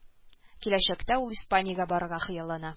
Киләчәктә ул испаниягә барырга хыяллана